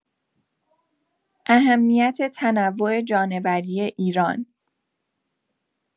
اهمیت تنوع جانوری ایران